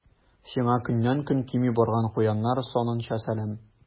Сиңа көннән-көн кими барган куяннар санынча сәлам.